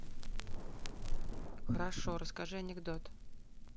хорошо расскажи анекдот